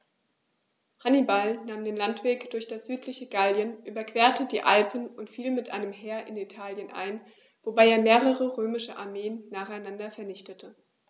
Hannibal nahm den Landweg durch das südliche Gallien, überquerte die Alpen und fiel mit einem Heer in Italien ein, wobei er mehrere römische Armeen nacheinander vernichtete.